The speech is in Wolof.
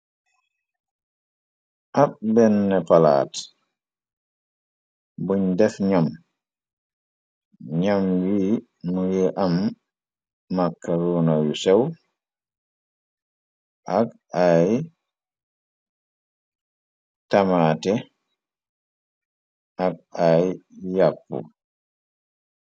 ab benn palaat buñ def ñom ñam yi mugi am makkaruna yu sew ak ay tamate ak ay yàppu